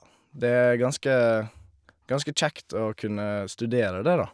Det er ganske ganske kjekt å kunne studere det, da.